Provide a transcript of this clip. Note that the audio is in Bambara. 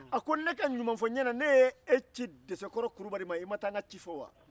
a ko ' ne ka ɲumanfɔ-n-ɲena ne ye e ci desekɔrɔ kulubali ma i ma taa n ka ci fɔ wa